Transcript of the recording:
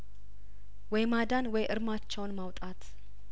ወይማዳን ወይእርማቸውን ማውጣት